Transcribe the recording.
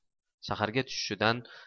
shaharga tushishidan